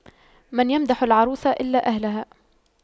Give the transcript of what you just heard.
من يمدح العروس إلا أهلها